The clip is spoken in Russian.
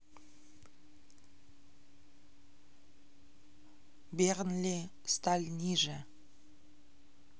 bernley сталь ниже